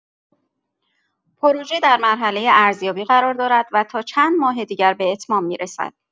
پروژه در مرحله ارزیابی قرار دارد و تا چند ماه دیگر به اتمام می‌رسد.